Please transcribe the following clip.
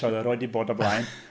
Tibod, erioed 'di bod o'r blaen.